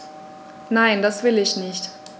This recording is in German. Nein, das will ich nicht.